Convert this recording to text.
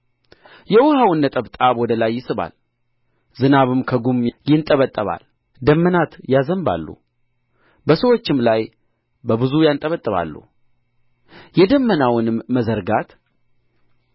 የውኃውን ነጠብጣብ ወደ ላይ ይስባል ዝናብም ከጉም ይንጠባጠባል ደመናት ያዘንባሉ በሰዎችም ላይ በብዙ ያንጠባጥባሉ የደመናውንም መዘርጋት